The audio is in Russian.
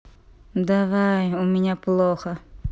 давай у меня плохо